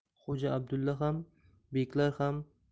xo'ja abdulla ham beklar ham